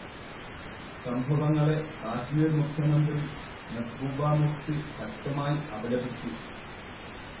സംഭവങ്ങളെ കശ്മീർ മുഖ്യമന്ത്രി മെഹ്ബൂബ മുഫ്തി ശക്തമായി അപലപിച്ചു